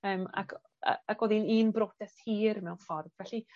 yym ac o- yy ac odd 'i'n un brotest hir mewn ffordd, felly